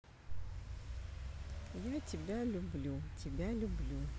я тебя люблю тебя люблю